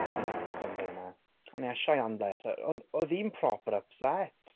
Yeah, don't blame her. Ond ie, Cheyanne bless her. On- odd hi'n proper upset!